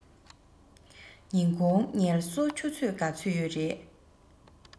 ཉིན གུང ངལ གསོ ཆུ ཚོད ག ཚོད ཡོད རས